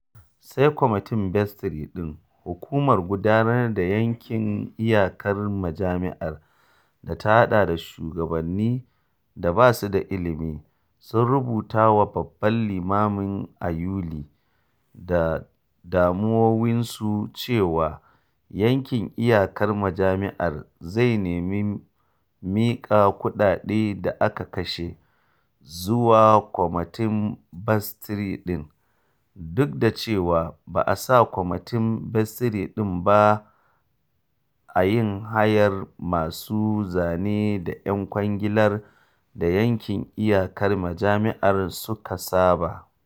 Sai kwamitin vestry ɗin - hukumar gudanar da yankin iyakar majami’ar, da ta haɗa da shugabanni da ba su da ilimi - sun rubuta wa babban limamin a Yuli da damuwowinsu cewa yankin iyakar majami’ar “zai nemi mika kuɗaɗen da aka kashe” zuwa kwamitin vestry ɗin, duk da cewa ba a sa kwamitin vestry ɗin ba a yin hayar masu zanen da ‘yan kwangilar da yankin iyakar majami’ar suka sa ba.